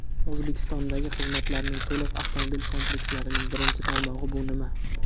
o'zbekistondagi xizmatlarning to'liq avtomobil komplekslarining birinchi tarmog'i bu nima